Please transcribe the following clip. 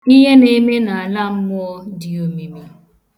Ihe na-eme n'ala mmụọ dị omimi.